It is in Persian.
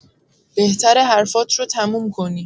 بهتره حرفات رو تموم کنی.